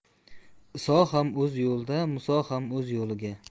iso ham o'z yo'liga muso ham o'z yo'liga